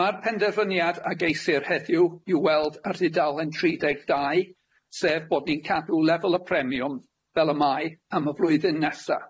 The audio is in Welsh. Ma'r penderfyniad ag eithir heddiw i'w weld ar dudalen tri deg dau, sef bod ni'n cadw lefel y premiwm fel y mae am y flwyddyn nesa.